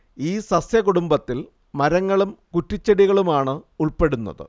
ഈ സസ്യകുടുംബത്തിൽ മരങ്ങളും കുറ്റിച്ചെടികളുമാണ് ഉൾപ്പെടുന്നത്